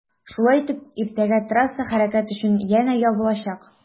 Шулай итеп иртәгә трасса хәрәкәт өчен янә ябылачак.